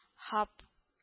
Һап